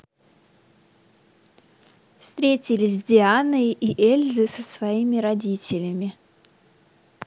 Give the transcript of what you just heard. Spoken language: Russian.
встретились с дианой и эльзы со своими родителями